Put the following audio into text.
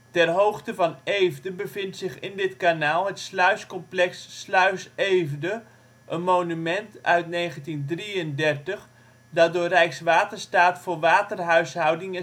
Ter hoogte van Eefde bevindt zich in dit kanaal het sluiscomplex Sluis Eefde, een monument uit 1933 dat door Rijkswaterstaat voor waterhuishouding